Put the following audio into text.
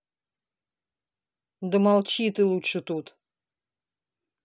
да молчи ты лучше тут